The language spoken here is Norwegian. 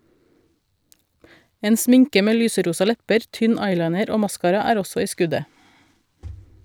En sminke med lyserosa lepper, tynn eyeliner og maskara er også i skuddet.